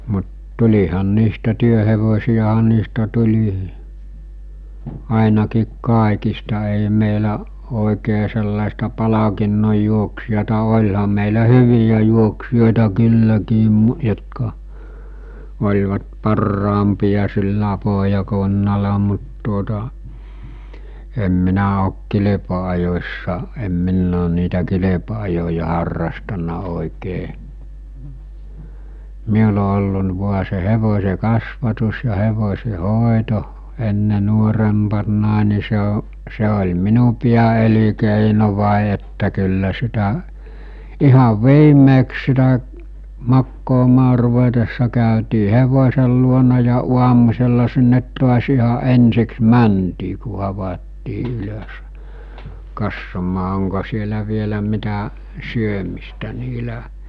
mutta tulihan niistä työhevosia niistä tuli ainakin kaikista ei meillä oikein sellaista palkinnon juoksijaa olihan meillä hyviä juoksijoita kylläkin jotka olivat parhaampia sillä pohjakunnalla mutta tuota en minä ole kilpa-ajossa en minä olen niitä kilpa-ajoja harrastanut oikein minulla on ollut - vain se hevosen kasvatus ja hevosen hoito ennen nuorempana niin se - se oli minun pääelinkeino että kyllä sitä ihan viimeiseksi sitä makaamaan ruvetessa käytiin hevosen luona ja aamusella sinne taas ihan ensiksi mentiin kun havaittiin ylös katsomaan onko siellä vielä mitä syömistä niillä